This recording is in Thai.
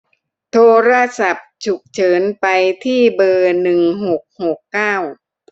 โทรศัพท์ฉุกเฉินไปที่เบอร์หนึ่งหกหกเก้า